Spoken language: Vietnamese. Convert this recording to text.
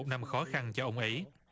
năm khó khăn cho ông ấy